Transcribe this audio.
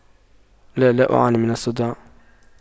لا لا أعاني من الصداع